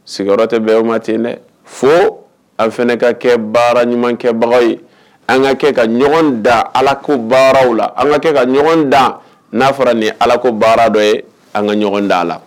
Sigiyɔrɔ tɛ bɛn o ma ten dɛ, fo an fana ka kɛ baara ɲumankɛbagaw ye. An ka kɛ ka ɲɔgɔn dan alako baaraw la, an ka kɛ ka ɲɔgɔn dan, n'a fɔra ni ye ala ko baara dɔ ye an ka ɲɔgɔn dan a la.